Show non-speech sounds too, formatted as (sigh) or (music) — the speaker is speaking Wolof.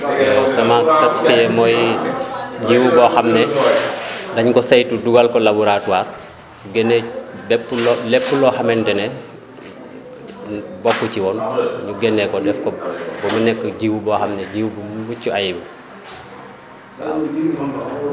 waaw semence certifiée mooy (crosstalk) jiwu boo xam ne dañu ko saytu dugal ko laboratoire génne bépp loo lépp loo xamante ne (hesitation) bokku ci woon (crosstalk) ñu génne ko def ko ba mu nekk jiwu boo xam ne jiwu bu mucc ayib la (crosstalk) waaw